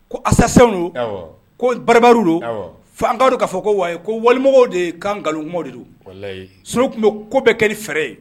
Ko asasɛnw don . Ko baribariw don. Fo an ka dɔn ka fɔ ko wayi ko walimɔgɔw de ka nkalon kuma de don. Sinon u tun be ko bɛɛ kɛ ni fɛɛrɛ ye